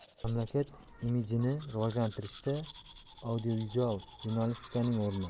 mamlakat imijini rivojlantirishda audiovizual jurnalistikaning o'rni